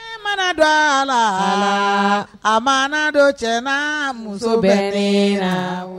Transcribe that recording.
Mana don a la a ma don cɛ muso bɛ la